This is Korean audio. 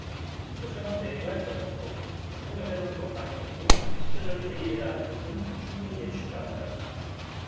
십 구 차 당 대회가 임박할수록 중국의 태도는 더욱 강경해지고 직접적이 되리리라는 것은 충분히 예측 가능하다